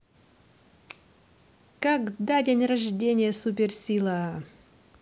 когда день рождения суперсила